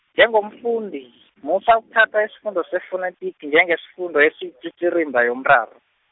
njengomfundi, musa ukuthatha isifundo sefonetiki njengesifundo esiyitsitsirimba yomraro.